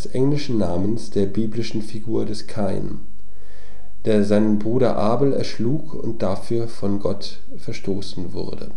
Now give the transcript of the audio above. englischen Namens der biblischen Figur des Kain, der seinen Bruder Abel erschlug und dafür von Gott verstoßen wurde